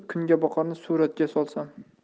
tup kungaboqarni suratga solsam